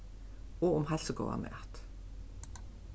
og um heilsugóðan mat